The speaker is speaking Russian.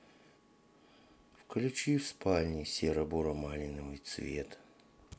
включи в спальне серобуромалиновый цвет